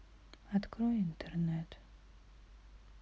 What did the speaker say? открой интернет